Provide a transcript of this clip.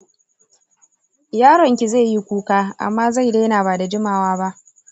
yaron ki zai yikuka, amman zai daina ba da jimawa ba